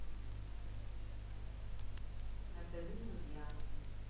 натали друзья